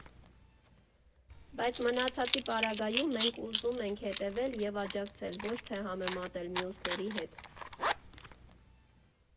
Բայց մնացածի պարագայում մենք ուզում ենք հետևել և աջակցել, ոչ թե համեմատել մյուսների հետ։